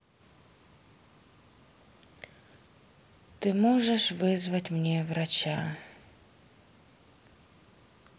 ты можешь вызвать мне врача